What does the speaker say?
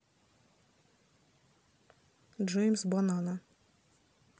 джеймс банана